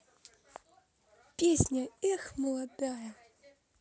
песня эх молодая